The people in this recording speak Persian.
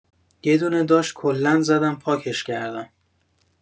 یدونه داشت کلا زدم پاکش کردم